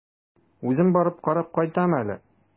Үзем барып карап кайтам әле.